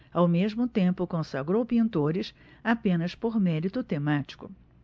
ao mesmo tempo consagrou pintores apenas por mérito temático